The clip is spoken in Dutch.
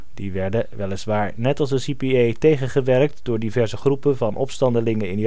Die werden weliswaar (net als de CPA) tegengewerkt door diverse groepen van opstandelingen